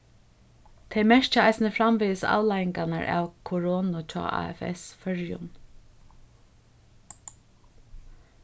tey merkja eisini framvegis avleiðingarnar av koronu hjá afs føroyum